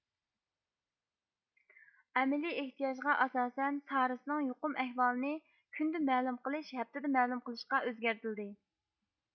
ئەمەلىي ئېھتىياجغا ئاساسەن سارسنىڭ يۇقۇم ئەھۋالىنى كۈندە مەلۇم قىلىش ھەپتىدە مەلۇم قىلىشقا ئۆزگەرتىلدى